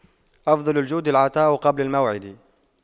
أفضل الجود العطاء قبل الموعد